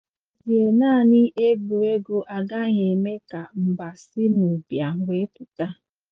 N'ezie, naanị egwuregwu agaghị eme ka mba si n'ụbịam wee pụta.